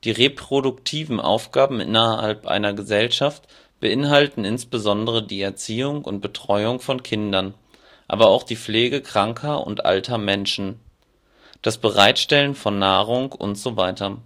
reproduktiven Aufgaben in einer Gesellschaft beinhalten insbesondere die Erziehung und Betreuung von Kindern, aber auch die Pflege kranker und alter Menschen, das Bereitstellen von Nahrung usw.